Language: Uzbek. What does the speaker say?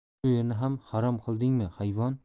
shu yerni ham harom qildingmi hayvon